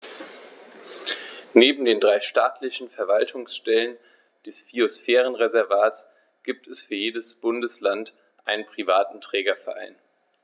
Neben den drei staatlichen Verwaltungsstellen des Biosphärenreservates gibt es für jedes Bundesland einen privaten Trägerverein.